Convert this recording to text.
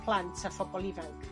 plant a phobol ifanc.